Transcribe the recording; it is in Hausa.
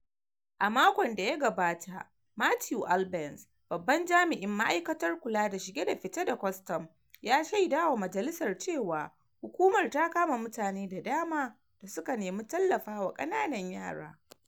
A makon da ya gabata, Matthew Albence, babban jami'in ma'aikatar kula da Shige da fice da kwastam, ya shaida wa majalisar cewa, hukumar ta kama mutane da dama da suka nemi tallafa wa kananan yara.